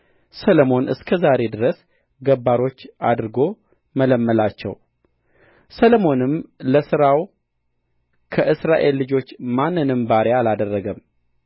ሰሎሞን እስከ ዛሬ ድረስ ገባሮች አድርጎ መለመላቸው ሰሎሞንም ለሥራው ከእስራኤል ልጆች ማንንም ባሪያ አላደረገም